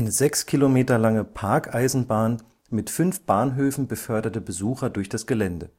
sechs Kilometer lange Parkeisenbahn mit fünf Bahnhöfen beförderte Besucher durch das Gelände